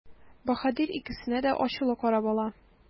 Баһадир икесенә дә ачулы карап ала.